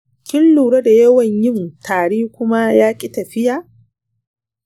kin lura da yawan yin tari kuma yaki tafiya?